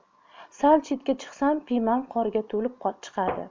sal chetga chiqsam piymam qorga to'lib chiqadi